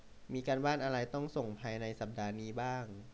มีการบ้านอะไรต้องส่งภายในสัปดาห์นี้บ้าง